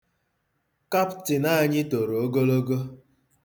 Kaptịn anyị toro ogologo.